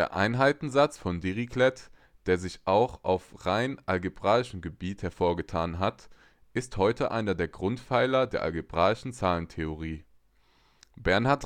Einheitensatz von Dirichlet (der sich auch auf rein algebraischem Gebiet hervorgetan hat), ist heute einer der Grundpfeiler der algebraischen Zahlentheorie. Bernhard